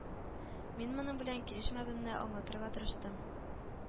Мин моның белән килешмәвемне аңлатырга тырыштым